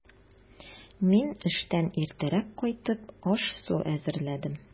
Мин, эштән иртәрәк кайтып, аш-су әзерләдем.